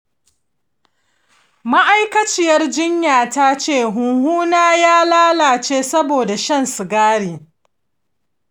ma'aikaciyar jinya ta ce huhuna ya lalace saboda shan sigari.